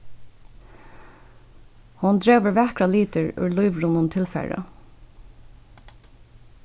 hon dregur vakrar litir úr lívrunnum tilfari